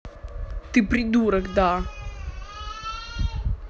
ты придурок да